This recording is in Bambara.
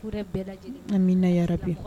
Bɛ ka min nayara bi